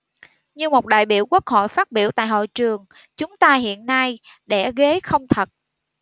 như một đại biểu quốc hội phát biểu tại hội trường chúng ta hiện nay đẻ ghế không thật